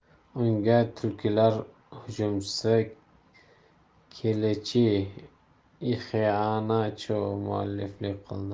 unga tulkilar hujumchisi kelechi ixeanacho mualliflik qildi